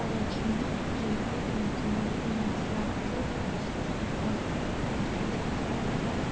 Առաջինները գետնին են դնում իրենց լախտերը, իսկ երկրորդները պետք է թռցնեն դրանք՝